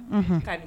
Hun ka